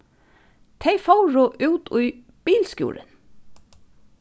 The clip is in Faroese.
tey fóru út í bilskúrin